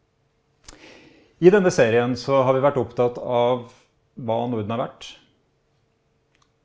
i denne serien så har vi vært opptatt av hva Norden har vært.